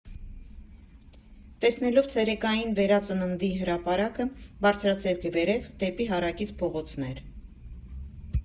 Տեսնելով ցերեկային Վերածննդի հրապարակը՝ բարձրացեք վերև՝ դեպի հարակից փողոցներ։